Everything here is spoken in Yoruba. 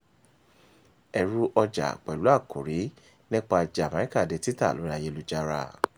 Ẹrù ọjà pẹ̀lú àkórí nípa Jamaica di títà lórí ayélujára